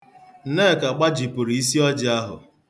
Nneka gbajipụrụ isiọjị ahụ.